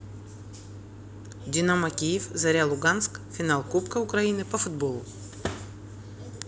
динамо киев заря луганск финал кубка украины по футболу